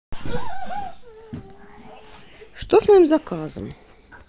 что с моим заказом